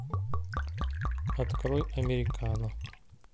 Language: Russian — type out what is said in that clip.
открой американо